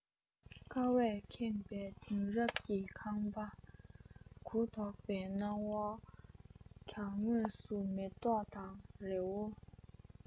ཀ བས ཁེངས པས དེང རབས ཀྱི ཁང པ གུ དོག པའི སྣང བ གྱང ངོས སུ མེ ཏོག དང རི བོ